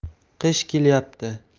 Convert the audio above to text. qish kelyapti